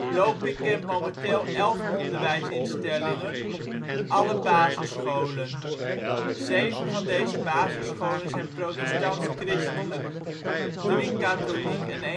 Lopik kent momenteel elf onderwijsinstellingen, alle basisscholen. Zeven van deze basisscholen zijn protestants-christelijk, drie katholiek en